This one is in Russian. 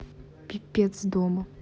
пиздец дома